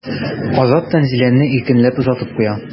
Азат Тәнзиләне иркенләп озатып куя.